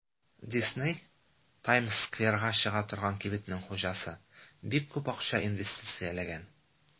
Дисней (Таймс-скверга чыга торган кибетнең хуҗасы) бик күп акча инвестицияләгән.